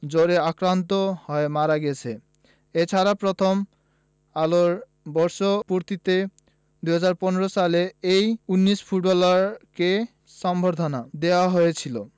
জ্বরে আক্রান্ত হয়ে মারা গেছে এ ছাড়া প্রথম আলোর বর্ষপূর্তিতে ২০১৫ সালে এই ১৯ ফুটবলারকে সংবর্ধনা দেওয়া হয়েছিল